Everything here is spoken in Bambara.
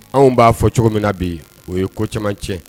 Anw b'a fɔ cogo min na bi yen o ye ko caman cɛ